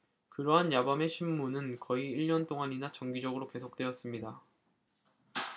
그러한 야밤의 심문은 거의 일년 동안이나 정기적으로 계속되었습니다